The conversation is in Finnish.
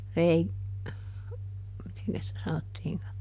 - mitenkäs sitä sanottiinkaan